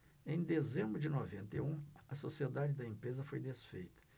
em dezembro de noventa e um a sociedade da empresa foi desfeita